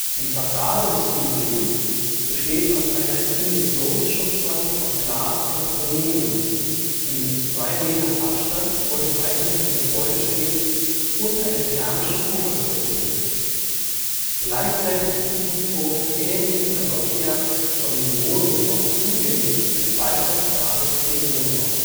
Die Fassade des Südriegels besteht aus einer Immissionsschutzwand aus Glas und Aluminium, die mit zwei Metern Abstand vor dem eigentlichen Gebäude steht und eine thermische Pufferzone bildet, gleichzeitig ist diese Zone ähnlich einer Loggia von den Wohnungen aus zugänglich und erweitert damit den Wohnraum